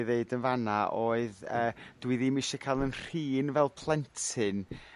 ei ddeud yn fan 'na oedd yrr dw i ddim isio ca'l yn rhin fel plentyn